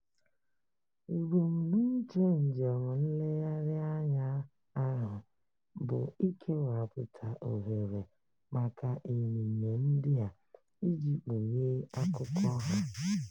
Ebumnuche njem nlegharị anya ahụ bụ ikepụta ohere maka onyinyo ndị a iji kpughee akụkọ ha.